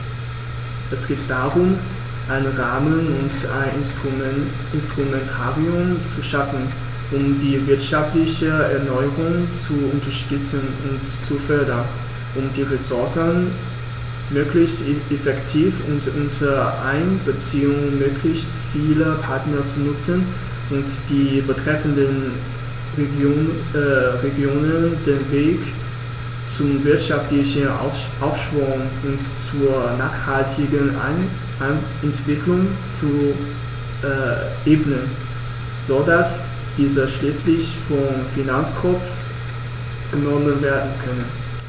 Es geht darum, einen Rahmen und ein Instrumentarium zu schaffen, um die wirtschaftliche Erneuerung zu unterstützen und zu fördern, um die Ressourcen möglichst effektiv und unter Einbeziehung möglichst vieler Partner zu nutzen und den betreffenden Regionen den Weg zum wirtschaftlichen Aufschwung und zur nachhaltigen Entwicklung zu ebnen, so dass diese schließlich vom Finanztropf genommen werden können.